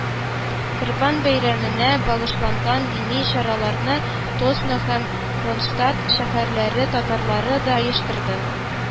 Корбан бәйрәменә багышланган дини чараларны Тосно һәм Кронштадт шәһәрләре татарлары да оештырды